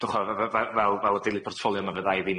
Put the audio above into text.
fel fel fel y dilyd portffolio 'ma fydda i ddim yn